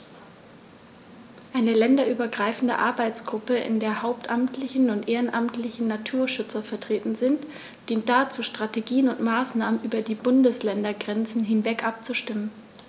Eine länderübergreifende Arbeitsgruppe, in der hauptamtliche und ehrenamtliche Naturschützer vertreten sind, dient dazu, Strategien und Maßnahmen über die Bundesländergrenzen hinweg abzustimmen.